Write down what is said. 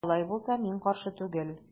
Алай булса мин каршы түгел.